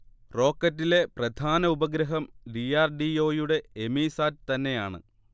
റോക്കറ്റിലെ പ്രധാന ഉപഗ്രഹം D. R. D. O. യുടെ എമീസാറ്റ് തന്നെയാണ്